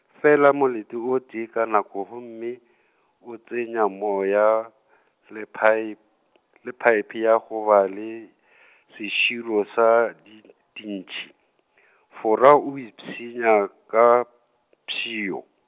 fela molete o tee ka nako gomme , o tsenya moya , le phaep- , le phaephe ya go ba le , seširo sa din-, dintši , Fora o ipshina ka, pshio.